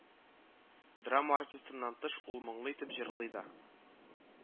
Драма артистыннан тыш ул моңлы итеп җырлый да